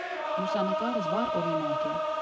Լուսանկարս վառ օրինակ է.